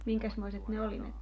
minkäsmoiset ne oli ne